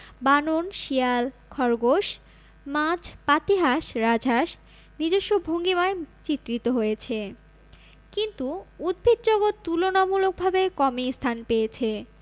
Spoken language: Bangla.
বানন শিয়াল খরগোশ মাছ পাতিহাঁস রাজহাঁস নিজস্ব ভঙ্গিমায় চিত্রিত হয়েছে কিন্তু উদ্ভিদজগৎ তুলনামূলকভাবে কমই স্থান পেয়েছে